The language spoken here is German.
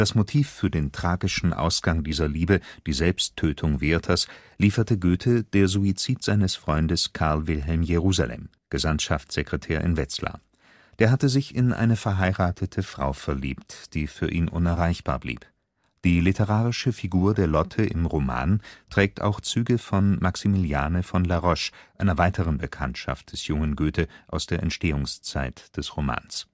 Motiv für den tragischen Ausgang dieser Liebe, die Selbsttötung Werthers, lieferte Goethe der Suizid seines Freundes Karl Wilhelm Jerusalem, Gesandtschaftssekretär in Wetzlar. Der hatte sich in eine verheiratete Frau verliebt, die für ihn unerreichbar blieb. Die literarische Figur der Lotte im Roman trägt auch Züge von Maximiliane von La Roche, einer weiteren Bekanntschaft des jungen Goethe aus der Entstehungszeit des Romans